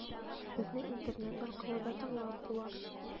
Безне интернет аркылы да тыңлап була.